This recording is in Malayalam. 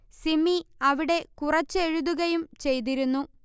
സിമി അവിടെ കുറച്ചു എഴുതുകയും ചെയ്തിരുന്നു